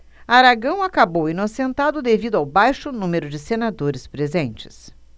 aragão acabou inocentado devido ao baixo número de senadores presentes